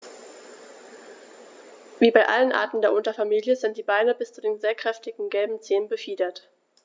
Wie bei allen Arten der Unterfamilie sind die Beine bis zu den sehr kräftigen gelben Zehen befiedert.